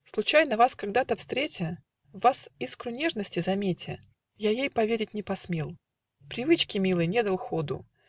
Случайно вас когда-то встретя, В вас искру нежности заметя, Я ей поверить не посмел: Привычке милой не дал ходу